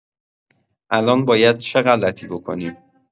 الان باید چه غلطی بکنیم